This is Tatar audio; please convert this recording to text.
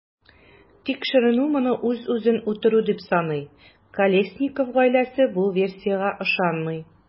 Тикшеренү моны үзен-үзе үтерү дип саный, Колесников гаиләсе бу версиягә ышанмый.